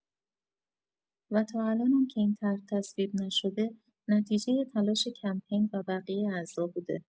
و تا الانم که این طرح تصویب نشده نتیجۀ تلاش کمپین و بقیه اعضا بوده